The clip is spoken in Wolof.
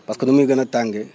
parce que ni muy gën a tàngee